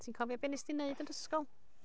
Ti'n cofio be wnes ti wneud yn yr ysgol?